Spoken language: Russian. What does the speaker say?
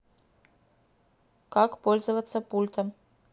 как пользоваться пультом